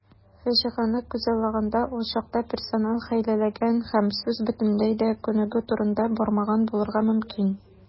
Фаҗигане күзаллаганда, ул чакта персонал хәйләләгән һәм сүз бөтенләй дә күнегү турында бармаган булырга мөмкин.